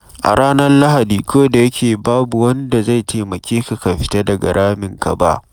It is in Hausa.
A ranar Lahadi, kodayake, babu wani da zai taimake ka fita daga raminka ba.